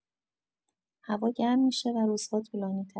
هوا گرم می‌شه و روزها طولانی‌تر.